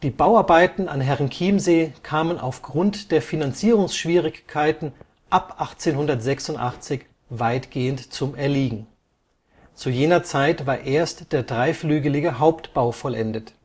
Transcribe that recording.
Bauarbeiten an Herrenchiemsee kamen aufgrund der Finanzierungsschwierigkeiten ab 1886 weitgehend zum Erliegen, zu jener Zeit war erst der dreiflügelige Hauptbau vollendet